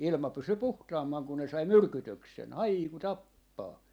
ilma pysyi puhtaampana kun ne sai myrkytyksen haiku tappaa